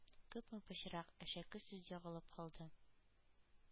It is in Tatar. Күпме пычрак, әшәке сүз ягылып калды